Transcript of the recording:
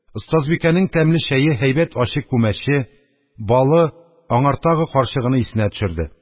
Остазбикәнең тәмле чәе, һәйбәт ачы күмәче, балы аңар тагы карчыгыны исенә төшерде.